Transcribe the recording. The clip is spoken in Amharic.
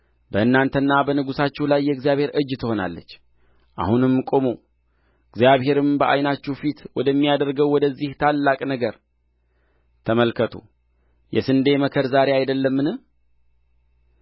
በእናንተና በንጉሣችሁ ላይ የእግዚአብሔር እጅ ትሆናለች አሁንም ቁሙ እግዚአብሔርም በዓይናችሁ ፊት ወደሚያደርገው ወደዚህ ታላቅ ነገር ተመልከቱ የስንዴ መከር ዛሬ አይደለምን